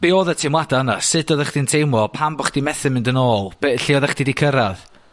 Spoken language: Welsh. Be odd y teimlada' yna? Sut oddach chdi'n teimlo? Pam bo' chdi methu mynd yn ôl? Be-...Lle oddach chdi 'di cyrradd?